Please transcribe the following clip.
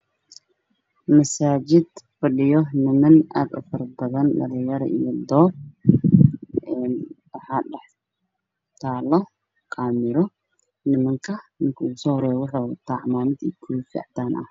Waa masaajid waxaa fadhiyo niman aad u faro badan oo dhalinyaro ah waxaa dhex yaalo kaamiro. Ninka ugu soo horeeyo waxuu wataa cimaamad iyo koofi cadaan ah.